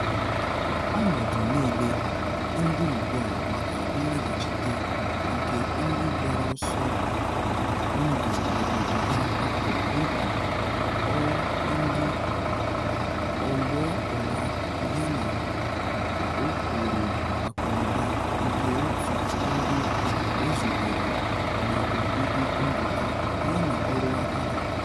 Ọnọdụ niile dị ugbu a maka nlaghachite nke ndị gbara ọsọ ndụ n’obodo ha hapụrụ n’ihi ndị ọlụọ ọlaa yana ụkpụrụ akụnụba nke otu ndị ezubere na obibi ndụ ha yana ọrụ aka ha.